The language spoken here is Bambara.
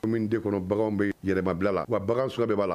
Commune 2 kɔnɔ baganw bɛ yɛrɛmabila wa bagan suguya bɛɛ b'a la.